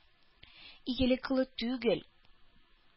Игелек кылу түгел,